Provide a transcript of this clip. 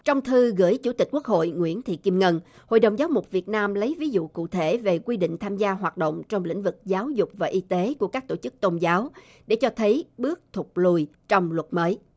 trong thư gửi chủ tịch quốc hội nguyễn thị kim ngân hội đồng giám mục việt nam lấy ví dụ cụ thể về quy định tham gia hoạt động trong lĩnh vực giáo dục và y tế của các tổ chức tôn giáo để cho thấy bước thụt lùi trong luật mới